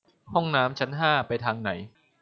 ห้องน้ำชั้นห้าไปทางไหน